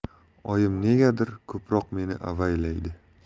oyim negadir ko'proq meni avaylaydi